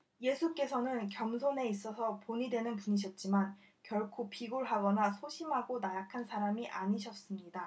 예수께서는 겸손에 있어서 본이 되는 분이셨지만 결코 비굴하거나 소심하고 나약한 사람이 아니셨습니다